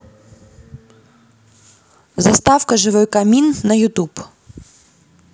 заставка живой камин на ютуб